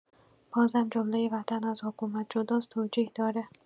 بازم جمله وطن از حکومت جداست توجیه داره؟